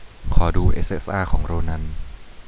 ขอดูเอสเอสอาของโรนัน